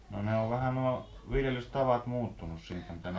no ne on vähän nuo viljelystavat muuttunut siitä mitä ne